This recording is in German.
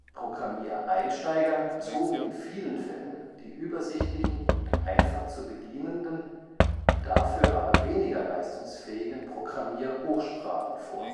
Programmiereinsteiger zogen in vielen Fällen die übersichtlichen und einfach zu bedienenden, dafür aber weniger leistungsfähigen Programmier-Hochsprachen vor